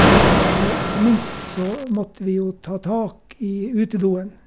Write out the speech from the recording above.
Og ikke minst så måtte vi jo ta tak i utedoen.